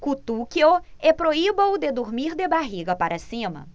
cutuque-o e proíba-o de dormir de barriga para cima